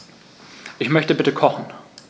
Ich möchte bitte kochen.